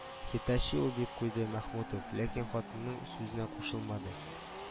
—“хитачи” ул,—дип куйды мәхмүтов, ләкин хатының сүзенә кушылмады